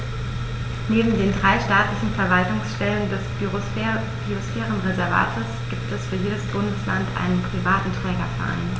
Neben den drei staatlichen Verwaltungsstellen des Biosphärenreservates gibt es für jedes Bundesland einen privaten Trägerverein.